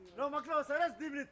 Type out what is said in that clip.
nɔnn n ma tila o ca reste dix minutes